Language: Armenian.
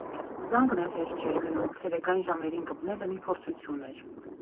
Զանգն էլ հեշտ չէր գնում, ցերեկային ժամերին կպնելը մի փորձություն էր։